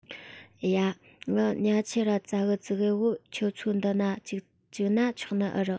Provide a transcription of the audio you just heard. ཡ ངའི ཉལ ཆས ར ཙ གེ ཙི གེ བོ ཁྱེད ཆོ འདི ནས ཅིག ག བཅོའུ ན ཆོག ནི ཨེ རེད